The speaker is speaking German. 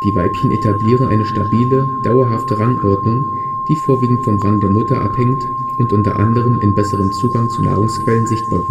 Weibchen etablieren eine stabile, dauerhafte Rangordnung, die vorwiegend vom Rang der Mutter abhängt und unter anderem in besserem Zugang zu Nahrungsquellen sichtbar